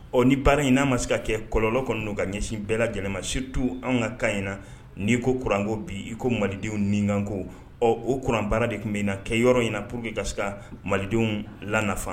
Ɔ ni baara in n'a ma se ka kɛ kɔlɔlɔ kɔnɔ do ka ɲɛsin bɛɛ lajɛlen ma surtout anw ka ni cas in na ni ko courant ko bi iko malidenw ni kanko ɔ o courant baara de tun bɛ na kɛ yɔrɔ in na pourque ka se ka malidenw la nafa